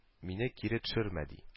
Мине кире төшермә,— ди